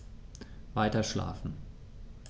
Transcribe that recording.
Weiterschlafen.